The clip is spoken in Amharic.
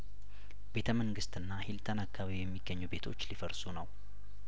ቤተ መንግስትና ሂልተን አካባቢ የሚገኙ ቤቶች ሊፈርሱ ነው